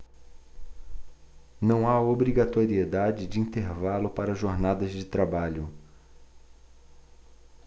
não há obrigatoriedade de intervalo para jornadas de trabalho